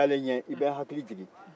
mɛ taalen ɲɛ e bɛ n hakili jigi